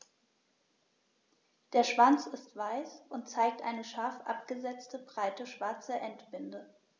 Der Schwanz ist weiß und zeigt eine scharf abgesetzte, breite schwarze Endbinde.